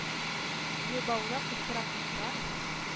Билбавына кыстыра-кыстыра,